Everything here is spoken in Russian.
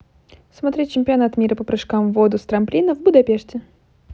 смотреть чемпионат мира по прыжкам в воду с трамплина в будапеште